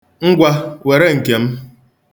Ngwa, were nke m.